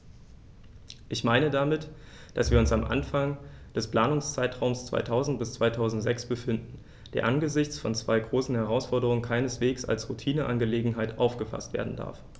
Ich meine damit, dass wir uns am Anfang des Planungszeitraums 2000-2006 befinden, der angesichts von zwei großen Herausforderungen keineswegs als Routineangelegenheit aufgefaßt werden darf.